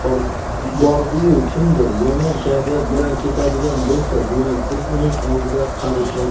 bordiyu kimdir yomon kayfiyat bilan ketadigan bo'lsa demak biz uning oldida qarzdormiz